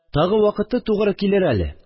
Тагы вакыты тугры килер әле